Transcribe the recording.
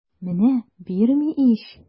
Менә бирми ич!